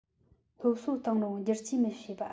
སློབ གསོ བཏང རུང བསྒྱུར བཅོས མི བྱེད པ